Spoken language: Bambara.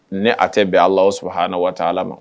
Ne a tɛ bɛn ala o sabaha ni waati ala ma